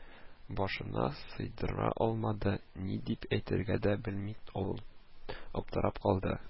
Башына сыйдыра алмады, ни дип әйтергә дә белми аптырап калды